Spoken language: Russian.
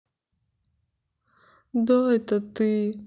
да это ты